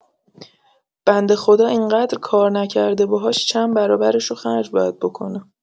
بنده خدا اینقدر کار نکرده باهاش چند برابرشو خرج باید بکنه